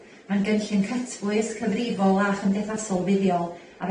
ma'n gynllun cytbwys cyfrifol a chymdeithasol fuddiol, a felly